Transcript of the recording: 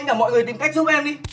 cả mọi người tìm cách giúp em đi